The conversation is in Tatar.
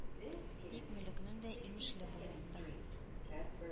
Тик молекнең дә имешле булуында